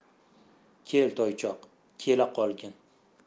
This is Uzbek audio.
kel toychoq kelaqolgin